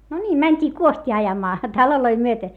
no niin mentiin kuostia ajamaan taloja myöten